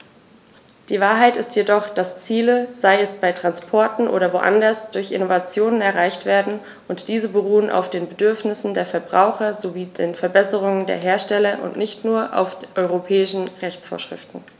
Die Wahrheit ist jedoch, dass Ziele, sei es bei Transportern oder woanders, durch Innovationen erreicht werden, und diese beruhen auf den Bedürfnissen der Verbraucher sowie den Verbesserungen der Hersteller und nicht nur auf europäischen Rechtsvorschriften.